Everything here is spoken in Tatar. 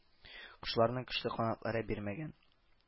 Кошларның көчле канатлары бирмәгән